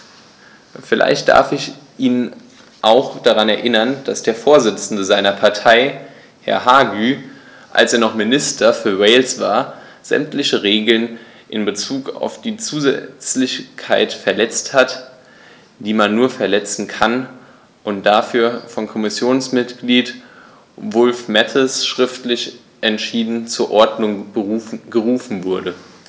Vielleicht darf ich ihn auch daran erinnern, dass der Vorsitzende seiner Partei, Herr Hague, als er noch Minister für Wales war, sämtliche Regeln in Bezug auf die Zusätzlichkeit verletzt hat, die man nur verletzen kann, und dafür von Kommissionsmitglied Wulf-Mathies schriftlich entschieden zur Ordnung gerufen wurde.